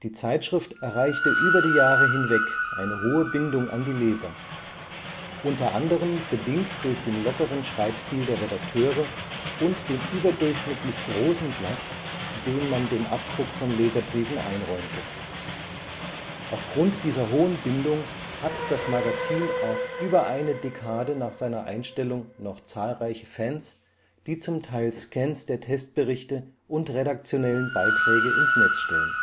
Zeitschrift erreichte über die Jahre hinweg eine hohe Bindung an die Leser, unter anderem bedingt durch den lockeren Schreibstil der Redakteure und den überdurchschnittlich großen Platz, den man dem Abdruck von Leserbriefen einräumte. Aufgrund dieser hohen Bindung hat das Magazin auch über eine Dekade nach seiner Einstellung noch zahlreiche Fans, die zum Teil Scans der Testberichte und redaktionellen Beiträge ins Netz stellen